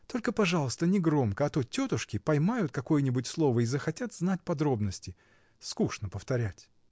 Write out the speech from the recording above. — Только, пожалуйста, не громко, а то тетушки поймают какое-нибудь слово и захотят знать подробности: скучно повторять.